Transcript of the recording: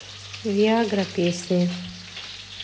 виа гра песни